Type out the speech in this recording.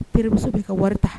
Terimuso bɛ ka wari ta